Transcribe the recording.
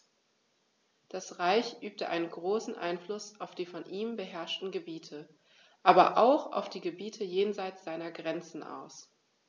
Das Reich übte einen großen Einfluss auf die von ihm beherrschten Gebiete, aber auch auf die Gebiete jenseits seiner Grenzen aus.